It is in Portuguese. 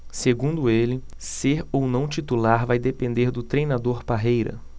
segundo ele ser ou não titular vai depender do treinador parreira